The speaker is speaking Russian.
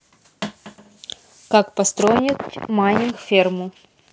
как построить майнинг ферму